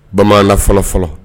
Bamanan na fɔlɔ fɔlɔ.